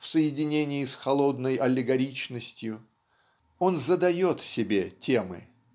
в соединении с холодной аллегоричностью. Он задает себе темы.